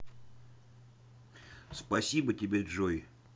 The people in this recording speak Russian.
спасибо тебе джой